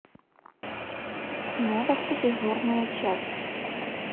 новости дежурная часть